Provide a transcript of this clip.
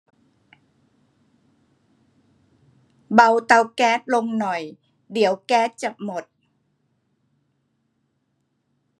เบาเตาแก๊สลงหน่อยเดี๋ยวแก๊สจะหมด